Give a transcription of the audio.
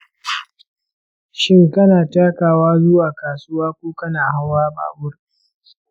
shin kana takawa zuwa kasuwa ko kana hawa babur?